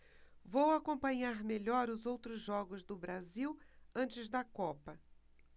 vou acompanhar melhor os outros jogos do brasil antes da copa